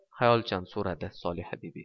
xayolchan so'radi solihabibi